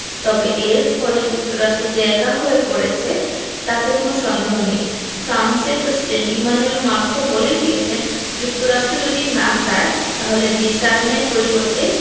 তবে এর ফলে যুক্তরাষ্ট্র যে একা হয়ে পড়ছে তাতে কোনো সন্দেহ নেই ফ্রান্সের প্রেসিডেন্ট ইমানুয়েল মাখোঁ বলেই দিয়েছেন যুক্তরাষ্ট্র যদি না চায় তাহলে জি ৭ এর পরিবর্তে